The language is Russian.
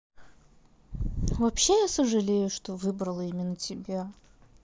вообще я сожалею что выбрала именно тебя